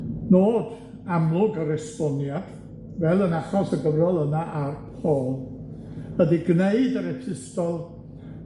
Nod amlwg yr esboniad, fel yn achos y gyfrol yna ar Paul ydi gneud yr epistol